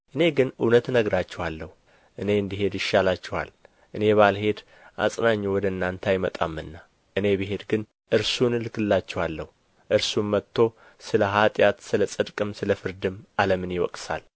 እኔ ግን እውነት እነግራችኋለሁ እኔ እንድሄድ ይሻላችኋል እኔ ባልሄድ አጽናኙ ወደ እናንተ አይመጣምና እኔ ብሄድ ግን እርሱን እልክላችኋለሁ እርሱም መጥቶ ስለ ኃጢአት ስለ ጽድቅም ስለ ፍርድም ዓለምን ይወቅሳል